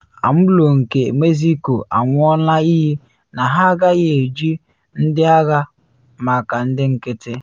AMLO nke Mexico anwụọla iyi na ha agaghị eji ndị agha maka ndị nkịtị